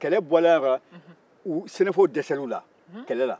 kɛlɛ bɔlen a la sɛnɛfow dɛsɛra u la kɛlɛla